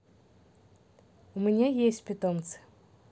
у меня есть питомцы